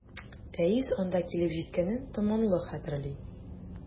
Рәис анда килеп җиткәнен томанлы хәтерли.